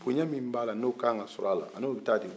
bonya mi b'ala no kan ka sɔrɔ la a no bɛtaga de